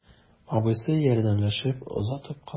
Абыйсы ярдәмләшеп озатып кала.